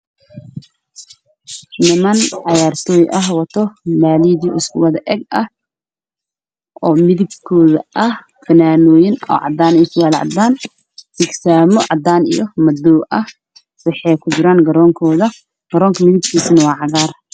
Waa niman ciyaartooy ah